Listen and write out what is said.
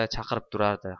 chaqirib turardi